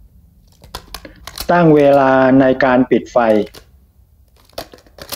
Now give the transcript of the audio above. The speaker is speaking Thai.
ตั้งเวลาในการปิดไฟ